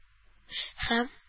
Һәм